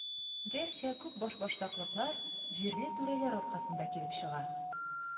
Гәрчә, күп башбаштаклыклар җирле түрәләр аркасында килеп чыга.